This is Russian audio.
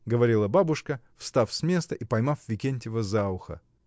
— говорила бабушка, встав с места и поймав Викентьева за ухо.